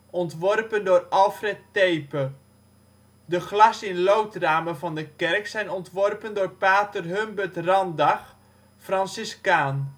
ontworpen door Alfred Tepe. De glas-in-loodramen van de kerk zijn ontworpen door Pater Humbert Randag, Franciscaan